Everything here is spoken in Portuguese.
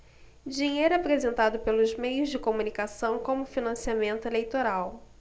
dinheiro apresentado pelos meios de comunicação como financiamento eleitoral